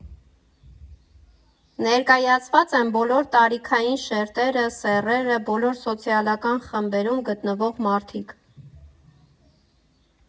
Ներկայացված են բոլոր տարիքային շերտերը, սեռերը, բոլոր սոցիալական խմբերում գտնվող մարդիկ։